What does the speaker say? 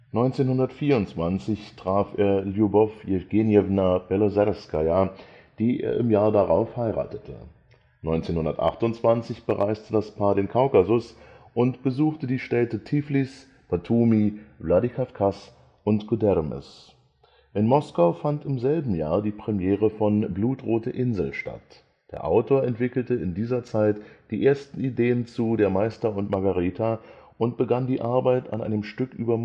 1924 traf er Ljubow Jewgenjewna Beloserskaja, die er im Jahr darauf heiratete. 1928 bereiste das Paar den Kaukasus und besuchte die Städte Tiflis, Batumi, Wladikawkas und Gudermes. In Moskau fand im selben Jahr die Premiere von Багровый остров (Blutrote Insel) statt. Der Autor entwickelte in dieser Zeit die ersten Ideen zu Der Meister und Margarita und begann die Arbeit an einem Stück über Molière